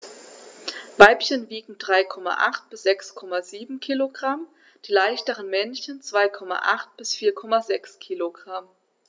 Weibchen wiegen 3,8 bis 6,7 kg, die leichteren Männchen 2,8 bis 4,6 kg.